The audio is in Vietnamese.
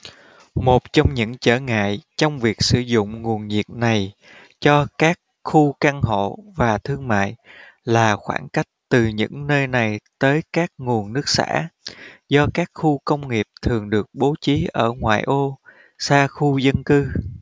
một trong những trở ngại trong việc sử dụng nguồn nhiệt này cho các khu căn hộ và thương mại là khoảng cách từ những nơi này tới các nguồn nước xả do các khu công nghiệp thường được bố trí ở ngoại ô xa khu dân cư